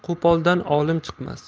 qo'poldan olim chiqmas